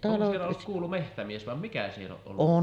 onko siellä ollut kuulu metsämies vai mikä siellä on ollut